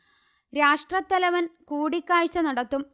രാഷ്ട്രതലവൻ കൂടിക്കാഴ്ച നടത്തും